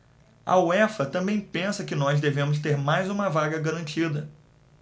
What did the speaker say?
a uefa também pensa que nós devemos ter mais uma vaga garantida